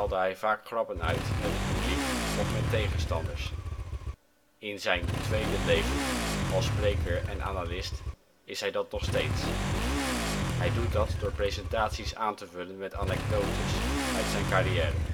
hij vaak grappen uit met het publiek of met tegenstanders. In zijn ' tweede leven ' als spreker en analist is hij dat nog steeds. Hij doet dat door presentaties aan te vullen met anekdotes uit zijn carrière